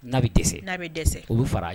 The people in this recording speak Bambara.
N'a bɛ dɛsɛ n'a bɛ dɛsɛ olu fara